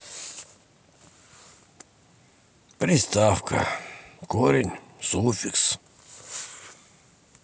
приставка корень суффикс